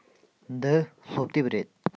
འདི སློབ དེབ རེད